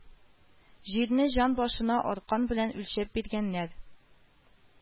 Җирне җан башына аркан белән үлчәп биргәннәр